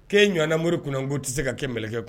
'e ɲna moriri kun ko tɛ se ka kɛ kɛlɛkɛ kɔnɔ